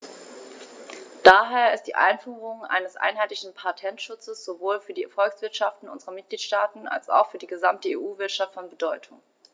Daher ist die Einführung eines einheitlichen Patentschutzes sowohl für die Volkswirtschaften unserer Mitgliedstaaten als auch für die gesamte EU-Wirtschaft von Bedeutung.